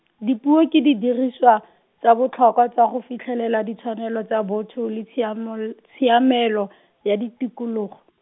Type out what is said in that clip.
dipuo ke didiriswa, tsa botlhokwa tsa go fitlhelela ditshwanelo tsa botho le tshiamol-, tshiamelo , ya di tikologo.